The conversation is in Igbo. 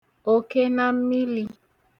òkenammilī